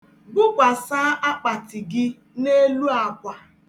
Bukwasa akpati gị n'elu akwa